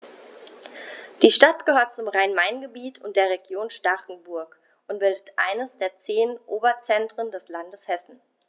Die Stadt gehört zum Rhein-Main-Gebiet und der Region Starkenburg und bildet eines der zehn Oberzentren des Landes Hessen.